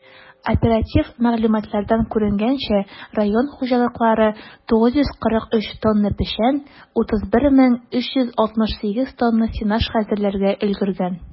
Оператив мәгълүматлардан күренгәнчә, район хуҗалыклары 943 тонна печән, 31368 тонна сенаж хәзерләргә өлгергән.